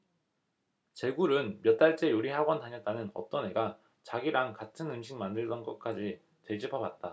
제굴은 몇 달째 요리 학원 다녔다는 어떤 애가 자기랑 같은 음식 만들던 것까지 되짚어봤다